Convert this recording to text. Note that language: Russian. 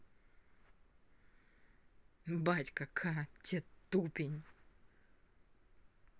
батька ка тет тупень